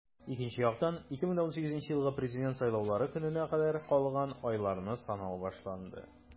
Икенче яктан - 2018 елгы Президент сайлаулары көненә кадәр калган айларны санау башланды.